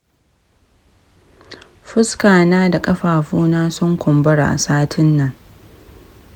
fuska na da ƙafafuna sun kumbura a satin nan.